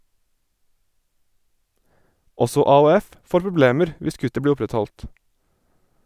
Også AOF får problemer hvis kuttet blir opprettholdt.